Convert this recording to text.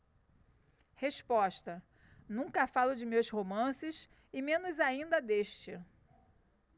resposta nunca falo de meus romances e menos ainda deste